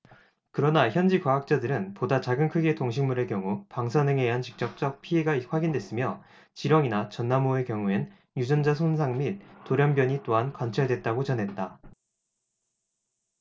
그러나 현지 과학자들은 보다 작은 크기의 동식물의 경우 방사능에 의한 직접적 피해가 확인됐으며 지렁이나 전나무의 경우엔 유전자 손상 및 돌연변이 또한 관찰됐다고 전했다